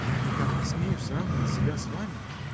– Я никак не смею сравнивать себя с вами.